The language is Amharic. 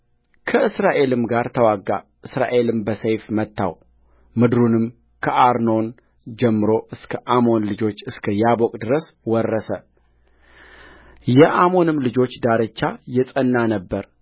ከእስራኤልም ጋር ተዋጋእስራኤልም በሰይፍ መታው ምድሩንም ከአርኖን ጀምሮ እስከ አሞን ልጆች እስከ ያቦቅ ድረስ ወረሰ የአሞንም ልጆች ዳርቻ የጸና ነበረ